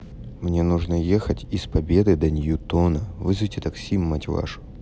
мне нужно уехать из победы до ньютона вызовите такси мать вашу